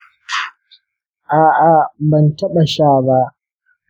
a'a, ban taba sha ba.